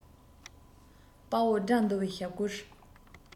དཔའ བོ དགྲ འདུལ བའི ཞབས བསྐུལ